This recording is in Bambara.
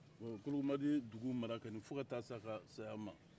ɔ kologomadi ye dugu mara fo ka taa se a ka saya ma